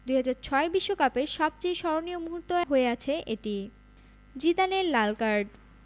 ২০০৬ বিশ্বকাপের সবচেয়ে স্মরণীয় মুহূর্ত হয়ে আছে এটি জিদানের লাল কার্ড